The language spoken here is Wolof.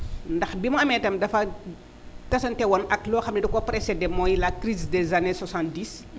ndax bi mu amee itam dafa tasante woon ak loo xam ne dakoo précédé mooy la crise des années 70